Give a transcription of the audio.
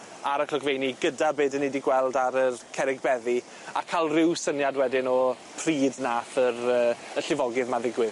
ar y clogfeini gyda be' 'dyn ni 'di gweld ar yr cerrig beddi a ca'l ryw syniad wedyn o pryd nath yr yy y llifogydd 'ma ddigwydd.